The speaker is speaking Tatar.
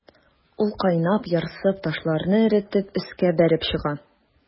Ул кайнап, ярсып, ташларны эретеп өскә бәреп чыга.